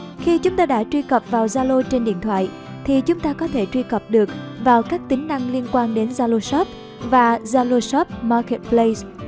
khi chúng ta đã truy cập vào zalo trên điện thoại thì chúng ta có thể truy cập được vào các tính năng liên quan đến zalo shop và zalo shop marketplace